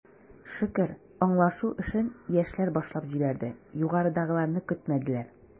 Шөкер, аңлашу эшен, яшьләр башлап җибәрде, югарыдагыларны көтмәделәр.